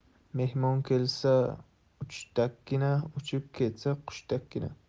mehmon kelsa uchtakkina uchib ketsa qushdakkina